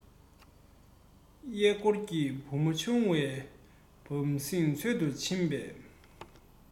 གཡས བསྐོར གྱིས བུ མོ ཆུང བ བམ སྲིད འཚོལ དུ ཕྱིན པར